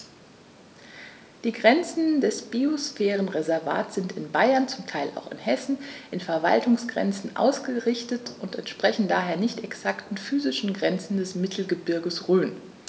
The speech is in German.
Die Grenzen des Biosphärenreservates sind in Bayern, zum Teil auch in Hessen, an Verwaltungsgrenzen ausgerichtet und entsprechen daher nicht exakten physischen Grenzen des Mittelgebirges Rhön.